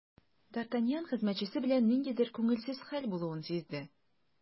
Д’Артаньян хезмәтчесе белән ниндидер күңелсез хәл булуын сизде.